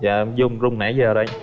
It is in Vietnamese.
dạ em rung rung nãy giờ đây